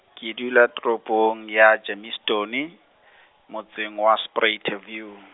ke dula toropong ya Germiston, motseng wa Spruit View.